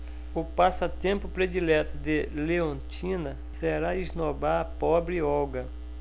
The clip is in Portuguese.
o passatempo predileto de leontina será esnobar a pobre olga